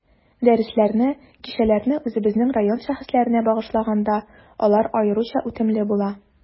Дәресләрне, кичәләрне үзебезнең район шәхесләренә багышлаганда, алар аеруча үтемле була.